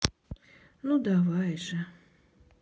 ну давай же